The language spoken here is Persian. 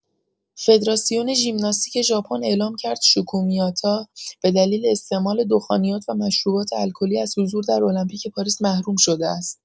فدراسیون ژیمناستیک ژاپن اعلام کرد شوکو میاتا به دلیل استعمال دخانیات و مشروبات الکلی از حضور در المپیک پاریس محروم شده است.